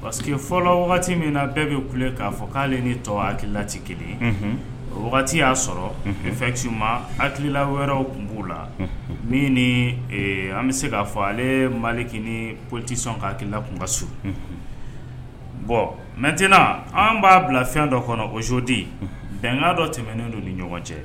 Parce que fɔlɔ wagati min na bɛɛ bɛ kule k'a fɔ k'ale ni tɔ hakilati kelen o y'a sɔrɔ fɛn ma ha hakilila wɛrɛw tun b' la an bɛ se k'a fɔ ale malik ni politi sɔn kakila tun ka su bɔn mɛtenna an b'a bila fɛn dɔ kɔnɔ o jooden bɛnkan dɔ tɛmɛnen don ni ɲɔgɔn cɛ